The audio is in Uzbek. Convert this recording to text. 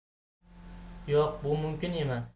yo'q bu mumkin emas